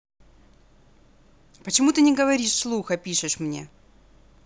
а почему ты не говоришь вслух а пишешь мне